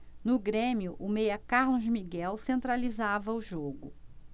no grêmio o meia carlos miguel centralizava o jogo